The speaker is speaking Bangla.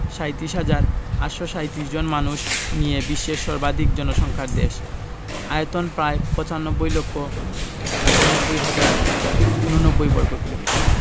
৩৭ হাজার ৮৩৭ জন মানুষ নিয়ে বিশ্বের সর্বাধিক জনসংখ্যার দেশ আয়তন প্রায় ৯৫ লক্ষ ৯৮ হাজার ৮৯ বর্গকিলোমিটার